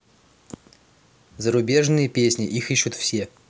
зарубежные песни их ищут все